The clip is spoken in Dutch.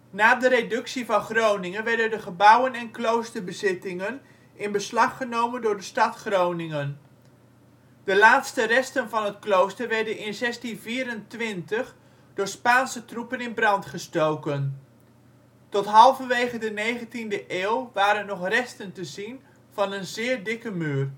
Na de Reductie van Groningen werden de gebouwen en kloosterbezittingen in beslag genomen door de stad Groningen. De laatste resten van het klooster werden in 1624 door Spaanse troepen in brand gestoken. Tot halverwege de 19e eeuw waren nog resten te zien van een zeer dikke muur